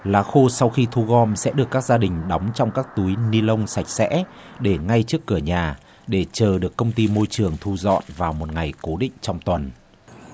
lá khô sau khi thu gom sẽ được các gia đình đóng trong các túi ni lông sạch sẽ để ngay trước cửa nhà để chờ được công ty môi trường thu dọn vào một ngày cố định trong tuần